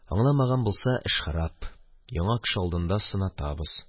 Аңламаган булса, эш харап – яңа кеше алдында сынатабыз.